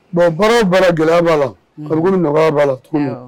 Bon baara bɔra gɛlɛya' la a nɔgɔya b'a la